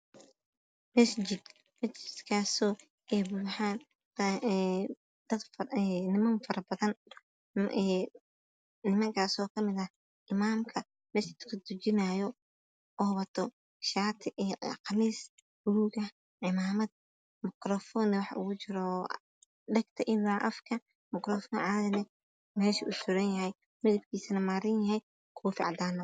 Masjid masjid kaa soo ay buuxan niman fara badan niman kaa soo kamid ah imaan ka maajid ka